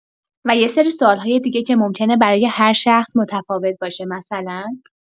و یسری سوال‌های دیگه که ممکنه برای هر شخص متفاوت باشه مثلا